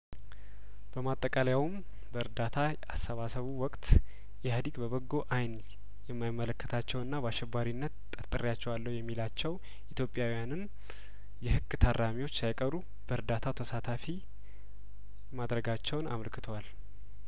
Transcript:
በማጠቃለያውም በእርዳታ አሰባሰቡ ወቅት ኢህአዲግ በበጐ አይን የማይመለከታቸውና በአሸባሪነት ጠርጥሬያቸዋለሁ የሚላቸው ኢትዮጵያውያንን የህግ ታራሚዎች ሳይቀሩ በእርዳታው ተሳታፊ ማድረጋቸውን አመልክቷል